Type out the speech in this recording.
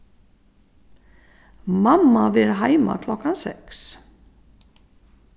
mamma verður heima klokkan seks